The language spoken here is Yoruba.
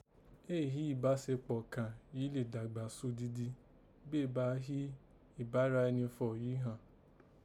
Èé hí ìbásekpọ̀ kàn yìí lè dàgbà sodidi, bí èé bá hí ìbáraeni fọ̀ yìí ghàn